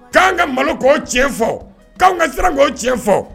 K'an ka malo k'o tiɲɛ fɔ k'an ka siran'o cɛn fɔ